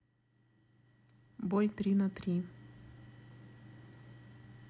бой три на три